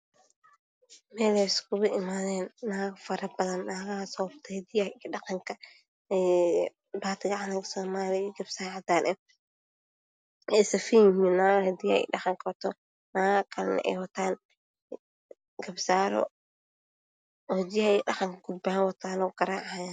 Waa meel ay iskugu imaadeen naago badan oo wato dharka hidaha iyo dhaqanka, baati calanka soomaaliya iyo garbasaar cadaan ah wayna safan yihiin kuwana durbaano ayay garaacaayaan.